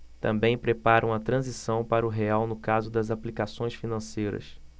também preparam a transição para o real no caso das aplicações financeiras